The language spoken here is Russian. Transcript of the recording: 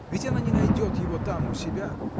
Ведь она не найдет его там, у себя.